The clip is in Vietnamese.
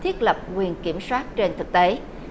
thiết lập quyền kiểm soát trên thực tế